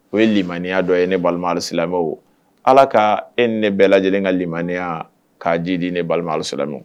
O ye limaya dɔ ye ne balima silamɛmɛ ala ka e ni ne bɛɛ lajɛlen ne ka limaya ka ji di ne balima silamɛla